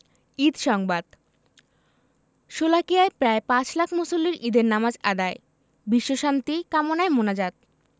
ঈদ সংবাদ শোলাকিয়ায় প্রায় পাঁচ লাখ মুসল্লির ঈদের নামাজ আদায় বিশ্বশান্তি কামনায় মোনাজাত